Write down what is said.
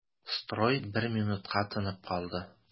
Строй бер минутка тынып калды.